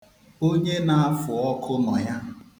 Onye na-afụ ọkụ nọ ya.